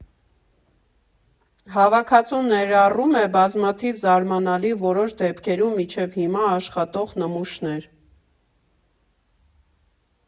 Հավաքածուն ներառում է բազմաթիվ զարմանալի, որոշ դեպքերում՝ մինչև հիմա աշխատող նմուշներ։